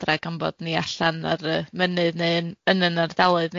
adra gan bod ni allan ar y mynydd neu yn yn yn ardaloedd